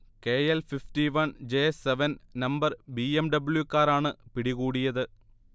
KL. Fifty one J. Seven number B. M. W കാറാണ് പിടികൂടിയത്